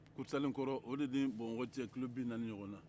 kurusalekɔrɔ o de ni bamakɔ cɛ ye kilo bi naani ɲɔgɔn na